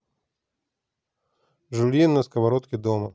жульен на сковороде дома